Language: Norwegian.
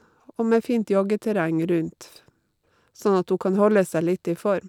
Og med fint joggeterreng rundt f, sånn at hun kan holde seg litt i form.